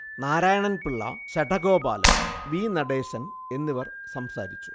Narayanan Pillai, Sadagopalan, V. Natesan എന്നിവർ സംസാരിച്ചു